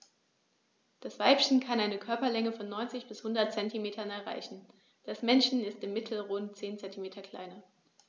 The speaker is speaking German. Das Weibchen kann eine Körperlänge von 90-100 cm erreichen; das Männchen ist im Mittel rund 10 cm kleiner.